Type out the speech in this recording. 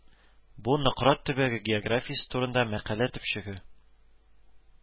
Бу Нократ төбәге географиясе турында мәкалә төпчеге